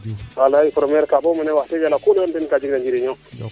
walay premier ka bo mene wax deg yala ku leyoona teen ka jeg na o njiriño